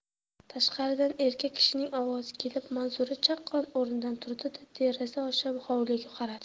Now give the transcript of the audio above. tashqaridan erkak kishining ovozi kelib manzura chaqqon o'rnidan turdi da deraza osha hovliga qaradi